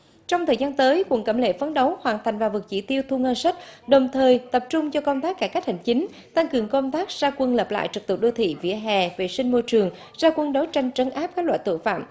trong thời gian tới quận cẩm lệ phấn đấu hoàn thành và vượt chỉ tiêu thu ngân sách đồng thời tập trung cho công tác cải cách hành chính tăng cường công tác ra quân lập lại trật tự đô thị vỉa hè vệ sinh môi trường ra quân đấu tranh trấn áp các loại tội phạm